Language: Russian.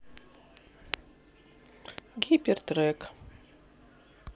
гипер трек